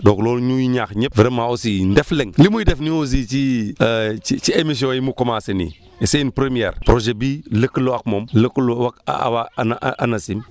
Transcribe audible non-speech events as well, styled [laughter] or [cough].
donc loolu ñu ngi ñaax ñëpp vraiment aussi Ndefleng li muy def nii aussi ci [hesitation] ci ci émission yi mu commencé nii c' est une première projet bii lëkkaloo ak moom lëkkaloo ak waa Anacim